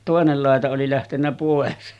toinen laita oli lähtenyt pois